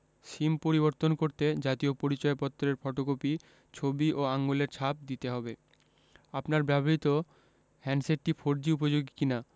সিম পরিবর্তন করতে জাতীয় পরিচয়পত্রের ফটোকপি ছবি ও আঙুলের ছাপ দিতে হবে আপনার ব্যবহৃত হ্যান্ডসেটটি ফোরজি উপযোগী কিনা